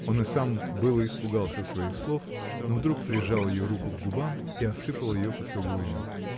Он и сам было испугался своих слов, но вдруг прижал ее руку к губам и осыпал ее поцелуями.